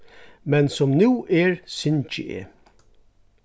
men sum nú er syngi eg